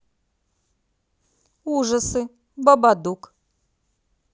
ужасы бабадук